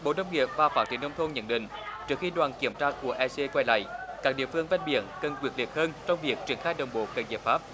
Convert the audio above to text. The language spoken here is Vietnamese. bộ nông nghiệp và phát triển nông thôn nhận định trước khi đoàn kiểm tra của e xê quay lại các địa phương ven biển cần quyết liệt hơn trong việc triển khai đồng bộ các giải pháp